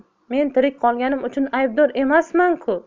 men tirik qolganim uchun aybdor emasman ku